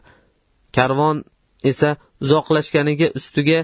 karvon esa uzoqlashgani ustiga